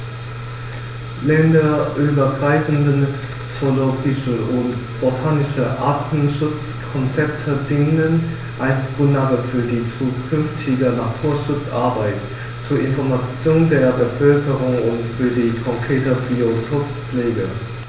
Länderübergreifende zoologische und botanische Artenschutzkonzepte dienen als Grundlage für die zukünftige Naturschutzarbeit, zur Information der Bevölkerung und für die konkrete Biotoppflege.